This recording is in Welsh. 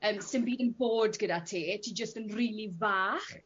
Yym sdim byd yn bod gyda ti ti jyst yn rili fach.